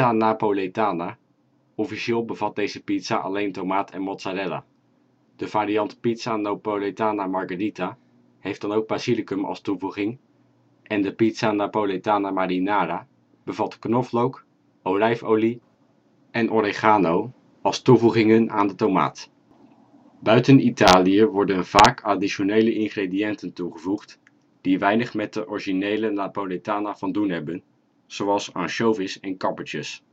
Napoletana (officieel bevat deze pizza alleen tomaat en mozzarella. De variant " pizza Napoletana Margharita " heeft dan ook basilicum als toevoeging en de " pizza Napoletana marinara " bevat knoflook, olijfolie en oregano als toevoegingen aan de tomaat. Buiten Italië worden vaak additionele ingrediënten toegevoegd die weinig met de originele Napoletana van doen hebben, zoals ansjovis en kappertjes